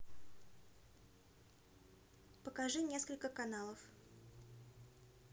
покажи сколько каналов